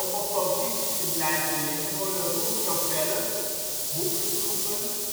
op positie te blijven liggen, worden roerpropellers, boegschroeven